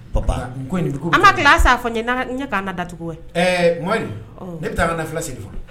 Baba ko an ka tila a sa fɔ ɲɛ'an dacogo ma ne bɛ taa ka na fula sen